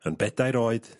Yn bedair oed...